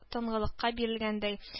Талгынлыкка бирелгәндәй